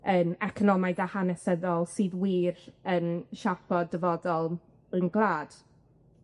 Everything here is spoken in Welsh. yn economaidd a hanesyddol sydd wir yn siapo dyfodol ein gwlad.